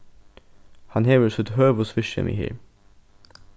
hann hevur sítt høvuðsvirksemi her